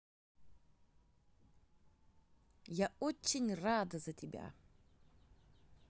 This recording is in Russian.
я очень за тебя рада